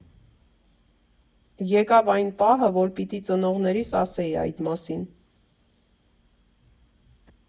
Եկավ այն պահը, որ պիտի ծնողներիս ասեի այդ մասին։